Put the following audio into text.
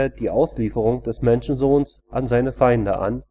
die Auslieferung des Menschensohns an seine Feinde an